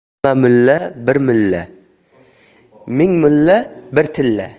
hamma mulla bir mulla ming mulla bir tilla